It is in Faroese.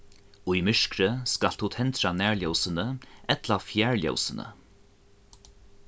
í myrkri skalt tú tendra nærljósini ella fjarljósini